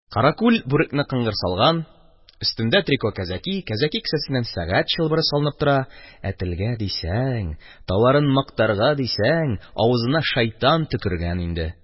Каракүл бүрекне кыңгыр салган, өстендә трико кәзәки, кәзәки кесәсеннән сәгать чылбыры салынып тора, ә телгә дисәң, товарын мактарга дисәң, авызына шайтан төкергән инде.